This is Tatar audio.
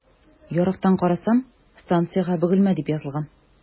Ярыктан карасам, станциягә “Бөгелмә” дип язылган.